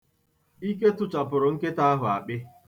Ike tụchapụrụ nkịta ahụ akpị.